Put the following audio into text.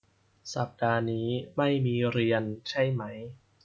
สัปดาห์นี้ไม่มีเรียนใช่ไหม